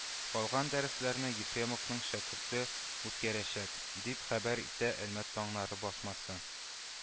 Калган дәресләрне Ефремовның шәкерте үткәрәчәк, дип хәбәр итә “Әлмәт таңнары” басмасы